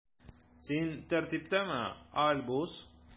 Син тәртиптәме, Альбус?